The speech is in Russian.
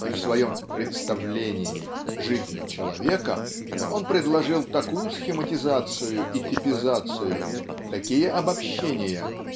И в своем "представлении" "Жизнь человека" он предложил такую схематизацию и типизацию такие обобщения